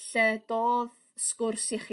...Lle do'dd sgwrs iechyd